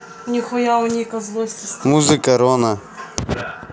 музыка рона